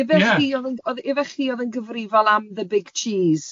Ife chdi oedd yn oedd ife chi oedd yn gyfrifol am the big cheese?